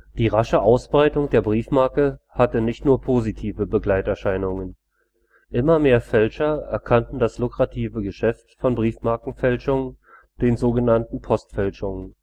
Die rasche Ausbreitung der Briefmarke hatte nicht nur positive Begleiterscheinungen. Immer mehr Fälscher erkannten das lukrative Geschäft von Briefmarkenfälschungen, den so genannten Postfälschungen